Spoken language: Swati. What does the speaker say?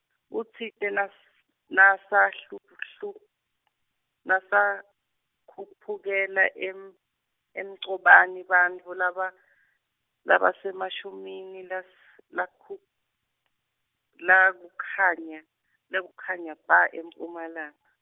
utsite nas- nasakhuphulhup- nasakhuphukela eM- eMgcobaneni bantfu laba- lababesemasimini las- la kuk- la kukhanya le kukhanya bha emphumalanga.